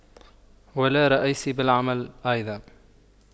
ولا رئيسي بالعمل أيضا